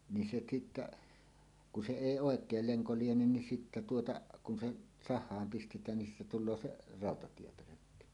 niin se sitten kun se ei oikein lenko liene niin sitten tuota kun se sahaan pistetään niin siitä tulee se rautatiepölkky